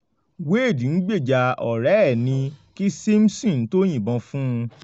Wayde ń gbèjà ọ̀rẹ́ ẹ̀ ni kí Simpson tó yìnbọn fun un.